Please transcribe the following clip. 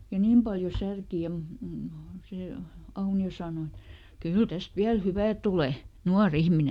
ja niin paljon särki ja -- se Aunio sanoi että kyllä tästä vielä hyvä tulee nuori ihminen